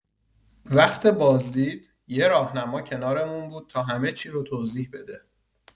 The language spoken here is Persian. وقت بازدید، یه راهنما کنارمون بود تا همه چی رو توضیح بده.